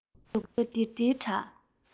འབྲུག སྒྲ ལྡིར ལྡིར དུ གྲགས